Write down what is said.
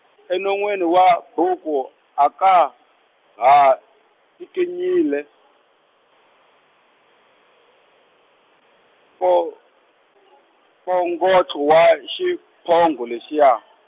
enonweni wa buku aka, ha, ncikinyile, po- -pongotlo wa, xiphongo lexiya.